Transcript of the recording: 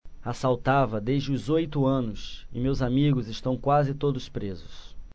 assaltava desde os oito anos e meus amigos estão quase todos presos